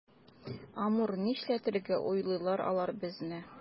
Амур, нишләтергә уйлыйлар алар безне?